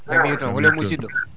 jam hiiri toon hol on musiɗɗo